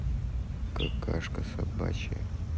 какашка собачка